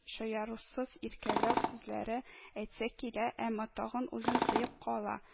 Шаярусыз иркәләү сүзләре әйтсә килә, әмма тагын үзен тыеп кала